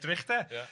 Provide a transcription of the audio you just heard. Edrych de, ia.